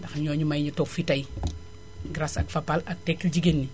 ndax ñoo ñu may ñu toog fii tay grâce ak Fapal ak tekkil jigéen ñi